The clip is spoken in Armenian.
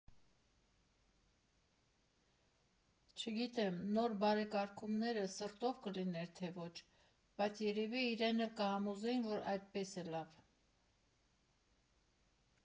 Չգիտեմ՝ նոր բարեկարգումները սրտով կլիներ, թե ոչ, բայց երևի իրեն էլ կհամոզեին, որ այդպես է լավ։